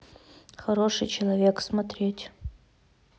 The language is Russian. хороший человек смотреть